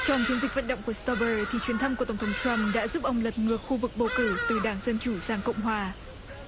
trong chiến dịch vận động của sa bơ thì chuyến thăm của tổng thống trăm đã giúp ông lật ngược khu vực bầu cử từ đảng dân chủ sang cộng hòa